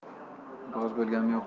bo'g'oz bo'lganmi yo'qmi